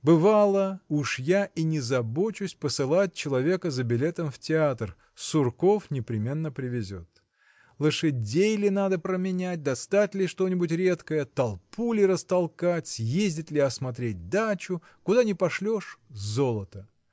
Бывало, уж я и не забочусь посылать человека за билетом в театр Сурков непременно привезет. Лошадей ли надо променять достать ли что-нибудь редкое толпу ли растолкать съездить ли осмотреть дачу куда ни пошлешь – золото!